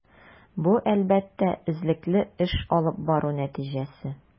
Бу, әлбәттә, эзлекле эш алып бару нәтиҗәсе.